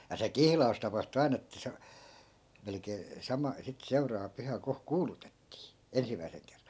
ja se kihlaus tapahtui aina että se melkein sama sitten seuraava pyhä kun kuulutettiin ensimmäisen kerran